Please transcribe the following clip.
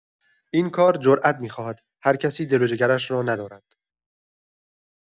این کار جرات می‌خواهد، هر کسی دل و جگرش را ندارد.